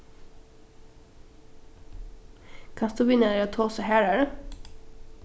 kanst tú vinarliga tosa harðari